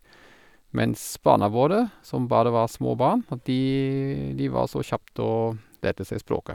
Mens barna våre, som bare var små barn, at de de var så kjapt og lærte seg språket.